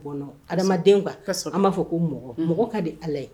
Adamadamadenw ka a kasɔn an b'a fɔ ko mɔgɔ mɔgɔ ka di ala ye